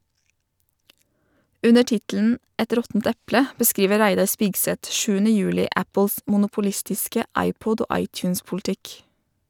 Under tittelen "Et råttent eple" beskriver Reidar Spigseth Apples monopolistiske iPod- og iTunes-politikk.